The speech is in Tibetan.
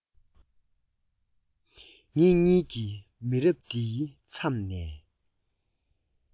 ངེད གཉིས ཀྱི མི རབས འདིའི མཚམས ནས